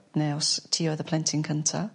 Neu os ti oedd y plentyn cynta.